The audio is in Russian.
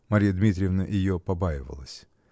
Марья Дмитриевна ее побаивалась.